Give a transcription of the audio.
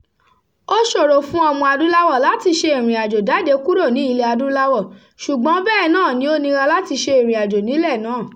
Ó ṣòro fún ọmọ-adúláwọ̀ láti ṣe ìrìnàjò jáde kúrò ní Ilẹ̀-adúláwọ̀ — ṣùgbọ́n bẹ́ẹ̀ náà ni ó nira láti ṣe ìrìnàjò nílẹ̀ náà.